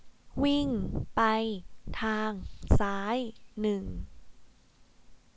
วิ่งไปทางซ้ายหนึ่ง